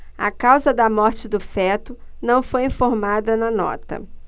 a causa da morte do feto não foi informada na nota